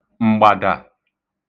m̀gbàdà